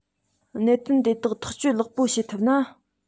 གནད དོན དེ དག ཐག གཅོད ལེགས པོ བྱེད ཐུབ ན